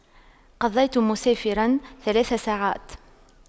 قضيت مسافرا ثلاث ساعات